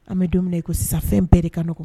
An bɛ don i ko sa fɛn bɛɛ de ka n nɔgɔɔgɔn